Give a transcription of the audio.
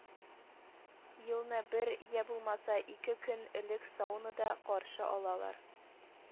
Елны бер, йә булмаса ике көн элек саунада каршы алалар